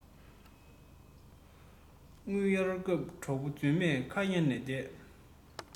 དངུལ གཡར སྐབས གྲོགས པོ རྫུན མས ཁ གཡར ནས བསྡད